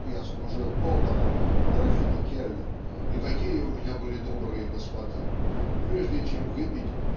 как я служил поваром у графини Келлер и какие у меня были добрые господа прежде чем выпить